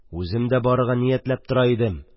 – үзем дә барырга ниятләп тора идем.